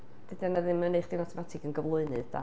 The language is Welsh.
Dydy hynna ddim yn wneud chi'n awtomatig yn gyflwynydd.